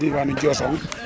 diwaanu Diosone